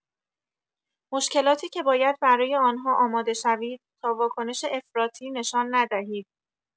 مشکلاتی که باید برای آن‌ها آماده شوید تا واکنش افراطی نشان ندهید.